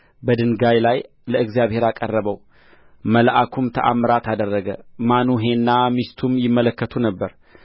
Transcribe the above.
በድንጋይ ላይ ለእግዚአብሔር አቀረበው መልአኩም ተአምራት አደረገ ማኑሄና ሚስቱም ይመለከቱ ነበር